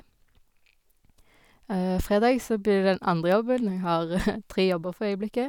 Fredag så blir det den andre jobben, jeg har tre jobber for øyeblikket.